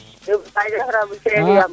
yumpañof Ramou sene